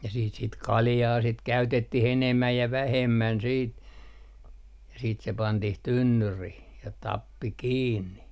ja sitten sitä kaljaa sitä käytettiin enemmän ja vähemmän sitten ja sitten se pantiin tynnyriin ja tappi kiinni